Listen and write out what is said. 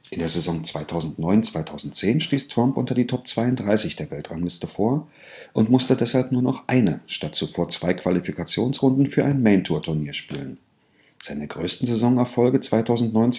der Saison 2009/10 stieß Trump unter die Top 32 der Weltrangliste vor und musste deshalb nur noch eine statt zuvor zwei Qualifikationsrunden für ein Main-Tour-Turnier spielen. Seine größten Saison-Erfolge 2009/10